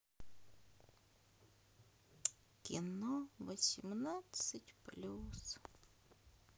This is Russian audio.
кино восемнадцать плюс